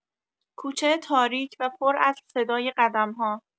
کوچه تاریک و پر از صدای قدم‌ها